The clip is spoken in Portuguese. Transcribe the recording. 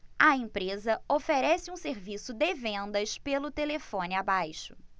a empresa oferece um serviço de vendas pelo telefone abaixo